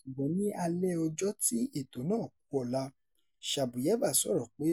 Ṣùgbọ́n ní alẹ́ ọjọ́ tí ètò náà ku ọ̀la, Shabuyeva sọ̀rọ̀ pé